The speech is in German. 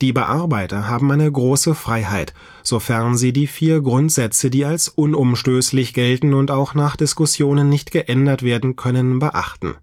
Bearbeiter haben eine große Freiheit, sofern sie die vier Grundsätze, die als unumstößlich gelten und auch nach Diskussionen nicht geändert werden können, beachten